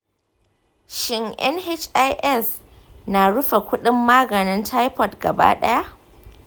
shin nhis na rufe kuɗin maganin typhoid gaba ɗaya?